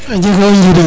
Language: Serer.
a jega o njiriñ